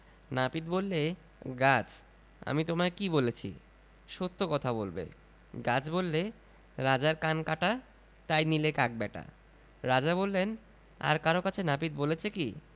নাপিত বললে গাছ আমি তোমায় কী বলেছি সত্য কথা বলবে গাছ বললে ‘রাজার কান কাটা তাই নিলে কাক ব্যাটা রাজা বললেন আর কারো কাছে নাপিত বলেছে কি